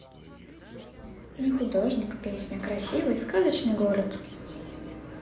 нехудожник песня красивый сказочный город